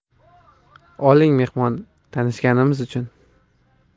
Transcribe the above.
oling mehmon tanishganimiz uchun